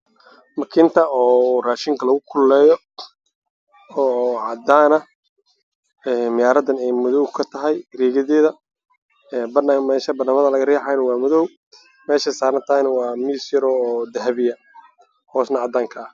Beeshan waxaa yaalla makiinada cuntada loo kulleeyo waxay ka tahay madow geedana waa caddaan wadamada laga riixayo waa madow meeshay taalaan khasaaradda waa dahabi ma cadda